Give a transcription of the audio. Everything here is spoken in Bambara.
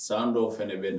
San dɔw fɛn de bɛ